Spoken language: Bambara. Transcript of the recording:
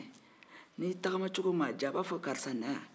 n'i tagamacogo m'a diya a b'a fɔ karisa na yan